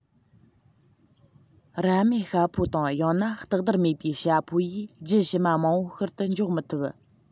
རྭ མེད ཤྭ ཕོ དང ཡང ན ལྟག སྡེར མེད པའི བྱ ཕོ ཡིས རྒྱུད ཕྱི མ མང པོ ཤུལ ཏུ འཇོག མི ཐུབ